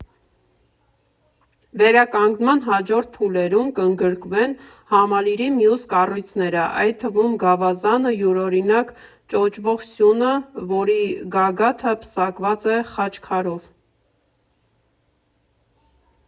Վերականգման հաջորդ փուլերում կընդգրկվեն համալիրի մյուս կառույցները, այդ թվում՝ Գավազանը՝ յուրօրինակ ճոճվող սյունը, որի գագաթը պսակված է խաչքարով։